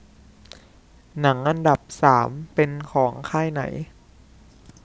หนังอันดับสามเป็นของค่ายไหน